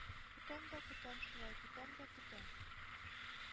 Көтәм дә көтәм шулай, көтәм дә көтәм...